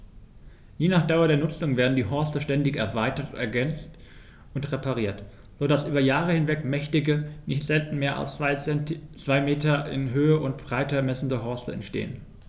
Je nach Dauer der Nutzung werden die Horste ständig erweitert, ergänzt und repariert, so dass über Jahre hinweg mächtige, nicht selten mehr als zwei Meter in Höhe und Breite messende Horste entstehen.